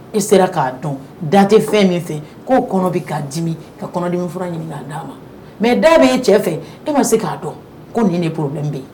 E sera k'a dɔn dantɛ fɛn min fɛ k' kɔnɔ bɛ k'a dimi ka kɔnɔdenmi fura ɲini k'a d'a ma mɛ da bɛ e cɛ fɛ e ma se k'a dɔn ko nin ne poro bɛ bɛ yen